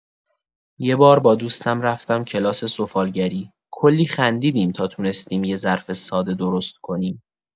یه بار با دوستم رفتم کلاس سفالگری، کلی خندیدیم تا تونستیم یه ظرف ساده درست کنیم!